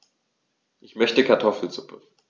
Ich möchte Kartoffelsuppe.